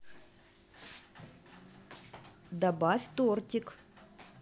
добавь тортик